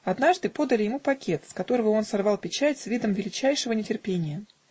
Однажды подали ему пакет, с которого он сорвал печать с видом величайшего нетерпения.